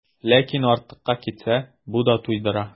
Ләкин артыкка китсә, бу да туйдыра.